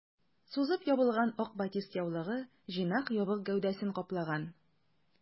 Сузып ябылган ак батист яулыгы җыйнак ябык гәүдәсен каплаган.